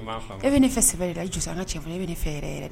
I m'a faamu e be ne fɛ sɛbɛ yɛrɛ la i jɔ sa an ŋa tiɲɛ fɔ e be ne fɛ yɛrɛ-yɛrɛ de